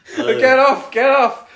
and get off get off